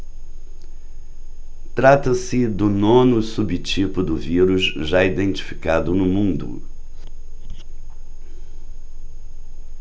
trata-se do nono subtipo do vírus já identificado no mundo